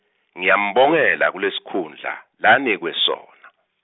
Ngiyambongela kulesikhundla lanikwe sona.